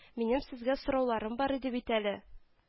Минем Сезгә сорауларым бар иде бит әле